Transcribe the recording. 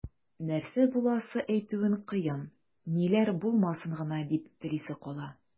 Нәрсә буласын әйтү кыен, ниләр булмасын гына дип телисе кала.